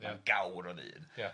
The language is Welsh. Mae'n gawr o ddyn. Ia.